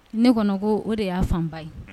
Ne kɔnɔ ko o de y'a fanba ye